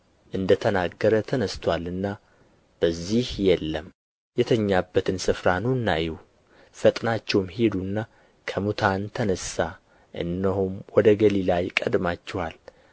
እንደ ተናገረ ተነሥቶአልና በዚህ የለም የተኛበትን ስፍራ ኑና እዩ ፈጥናችሁም ሂዱና ከሙታን ተነሣ እነሆም ወደ ገሊላ ይቀድማችኋል